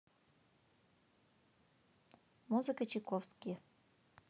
музыка чайковский